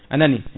anani